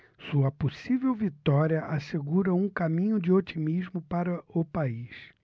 sua possível vitória assegura um caminho de otimismo para o país